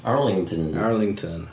Arlington? Arlington.